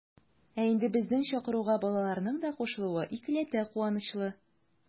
Ә инде безнең чакыруга балаларның да кушылуы икеләтә куанычлы.